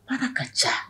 Ala ka ca